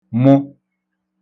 mụ